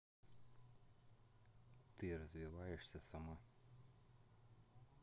ты развиваешься сама